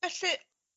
Felly